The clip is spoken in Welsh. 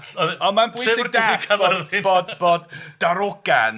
Bod... bod darogan...